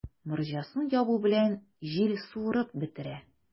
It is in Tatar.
Морҗасын ябу белән, җил суырып бетерә.